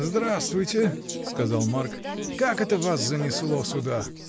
— Здравствуйте, — сказал Марк, — как это вас занесло сюда?